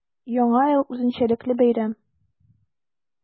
Яңа ел – үзенчәлекле бәйрәм.